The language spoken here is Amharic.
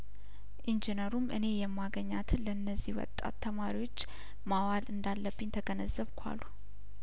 ኢንጂነሩም እኔ የማገኛትን ለነዚህ ወጣት ተማሪዎች ማዋል እንዳለብኝ ተገነዘብኩ አሉ